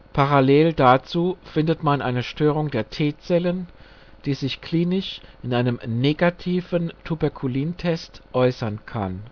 Parallen dazu findet man eine Störung der T-Zellen, die sich klinisch in einem negativen Tuberkulin-Test äussern kann